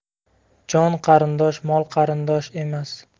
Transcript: jon qarindosh mol qarindosh emas